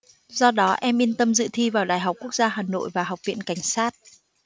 do đó em yên tâm dự thi vào đại học quốc gia hà nội và học viện cảnh sát